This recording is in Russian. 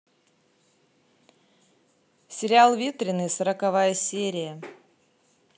сериал ветренные сороковая серия